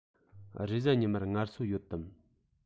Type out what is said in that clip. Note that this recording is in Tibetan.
རེས གཟའ ཉི མར ངལ གསོ ཡོད དམ